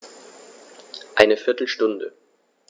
Eine viertel Stunde